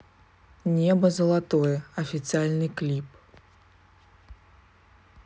небо золотое официальный клип